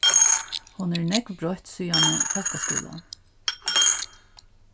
hon er nógv broytt síðani fólkaskúlan